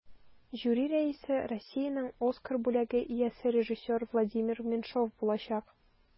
Жюри рәисе Россиянең Оскар бүләге иясе режиссер Владимир Меньшов булачак.